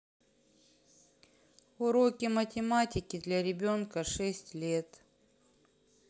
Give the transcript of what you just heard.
уроки математики для ребенка шесть лет